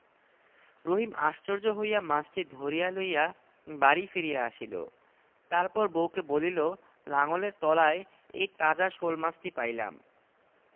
গ্রামদেশে একটি শোলমাছের দাম বড়জোর আট আনা এক টাকা পাইয়া জেলে মনের খুশীতে বাড়ি ফিরিল সে এ পুকুরে জাল ফেলে ও পুকুরে জাল ফেলে